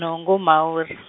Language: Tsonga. nhungu Mhawur- .